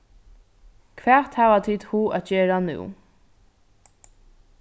hvat hava tit hug at gera nú